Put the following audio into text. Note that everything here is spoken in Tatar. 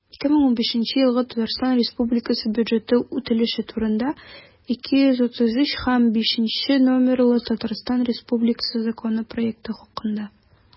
«2015 елгы татарстан республикасы бюджеты үтәлеше турында» 233-5 номерлы татарстан республикасы законы проекты хакында